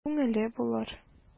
Күңеле булыр...